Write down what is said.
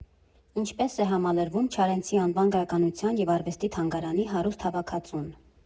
Ինչպես է համալրվում Չարենցի անվան գրականության և արվեստի թանգարանի հարուստ հավաքածուն։